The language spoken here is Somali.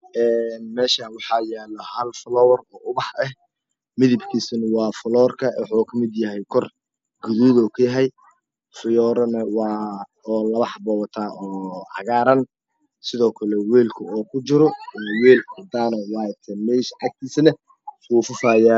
Meshaan waxaa yal hal faloowar oo upax ah midapkoosna faloowarka waxu kamid yahay guud uu kayahay fiyuuranahane lapa xapuu waataa oo cagaaran sudoo kle weelka uu ku jira wa weel cadaan ah meesha agtiisana suufafaa yalaan